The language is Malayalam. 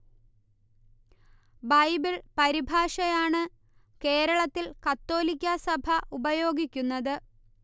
ബൈബിൾ പരിഭാഷ ആണ് കേരളത്തിൽ കത്തോലിക്കാ സഭ ഉപയോഗിക്കുന്നത്